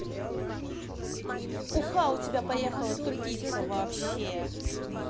уха у тебя поехала тупица вообще